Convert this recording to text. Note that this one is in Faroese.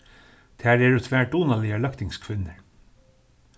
tær eru tvær dugnaligar løgtingskvinnur